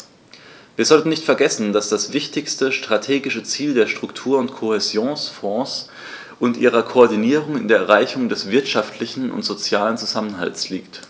Wir sollten nicht vergessen, dass das wichtigste strategische Ziel der Struktur- und Kohäsionsfonds und ihrer Koordinierung in der Erreichung des wirtschaftlichen und sozialen Zusammenhalts liegt.